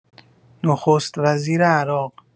نخست‌وزیر عراق